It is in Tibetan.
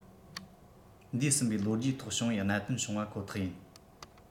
འདས ཟིན པའི ལོ རྒྱུས ཐོག བྱུང བའི གནད དོན བྱུང བ ཁོ ཐག ཡིན